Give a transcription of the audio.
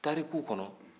tariku kɔnɔ